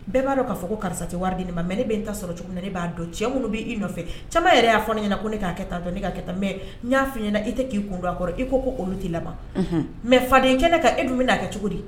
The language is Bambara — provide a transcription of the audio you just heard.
Bɛɛ b'a dɔn'a fɔ ko karisa tɛ wari di ma mɛ ne bɛ n ta sɔrɔ cogo na ne b'a dɔn cɛ minnu bɛ i nɔfɛ ca yɛrɛ y'a fɔ ne ɲɛna ko ne k'a taa dɔn ne ka taa mɛ n y'a fɔ i ɲɛna i tɛ k'i kun don a kɔrɔ i ko ko olu t'i laban mɛ faden kɛnɛ ka e dun bɛ na' kɛ cogo di